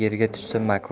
yerga tushsa makruh